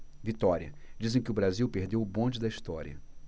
vitória dizem que o brasil perdeu o bonde da história